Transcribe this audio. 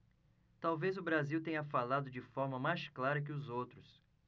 talvez o brasil tenha falado de forma mais clara que os outros